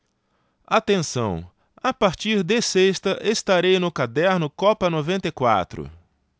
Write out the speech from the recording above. atenção a partir de sexta estarei no caderno copa noventa e quatro